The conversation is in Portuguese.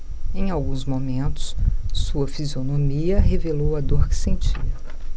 em alguns momentos sua fisionomia revelou a dor que sentia